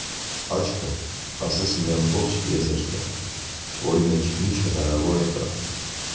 Աչքը, ասես, մի ամբողջ տիեզերք է, որի մեջ ինչ հնարավոր է կա։